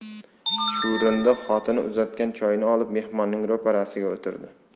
chuvrindi xotini uzatgan choyni olib mehmonning ro'parasiga o'tirdi